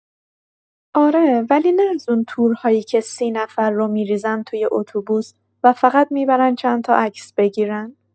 آره، ولی نه از اون تورهایی که سی نفر رو می‌ریزن توی اتوبوس و فقط می‌برن چند تا عکس بگیرن.